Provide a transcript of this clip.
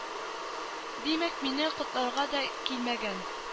Димәк мине котларга дә килмәгән